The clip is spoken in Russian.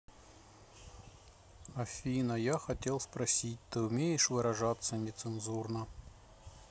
афина я хотел спросить ты умеешь выражаться нецензурно